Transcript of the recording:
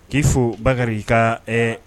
K'i fo bakarijan ka ɛɛ